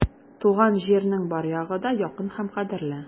Туган җирнең бар ягы да якын һәм кадерле.